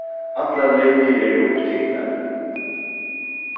allar linjur eru upptiknar